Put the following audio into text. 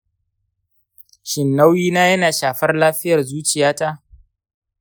shin nauyina yana shafar lafiyar zuciyata?